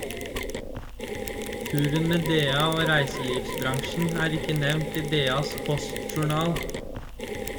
Turen med DA og reiselivsbransjen er ikke nevnt i DAs postjournal.